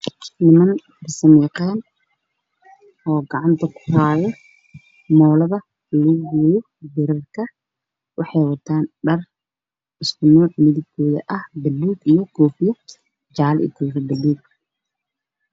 Waa makaanik niman wataan dhar buluug